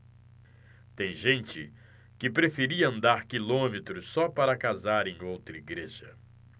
tinha gente que preferia andar quilômetros só para casar em outra igreja